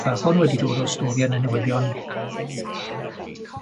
Ma' hwn wedi dod o stori yn y newyddion.